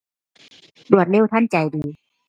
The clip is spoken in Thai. รวดเร็วทันใจดี